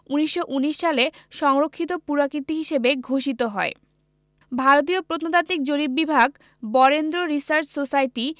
১৯১৯ সালে সংরক্ষিত পুরাকীর্তি হিসেবে ঘোষিত হয় ভারতীয় প্রত্নতাত্ত্বিক জরিপ বিভাগ বরেন্দ্র রিসার্চ সোসাইটি